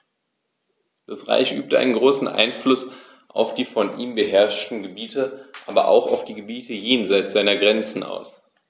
Das Reich übte einen großen Einfluss auf die von ihm beherrschten Gebiete, aber auch auf die Gebiete jenseits seiner Grenzen aus.